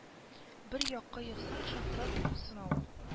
Бер якка ексаң шартлап сына ул